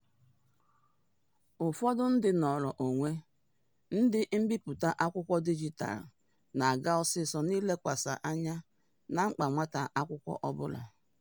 Ụfọdụ ndị nnọrọ onwe, ndị mbipụta akwụkwọ dijitalụ na-aga ọsịsọ na ilekwasa anya na mkpa nwata akwụkwọ ọbụla.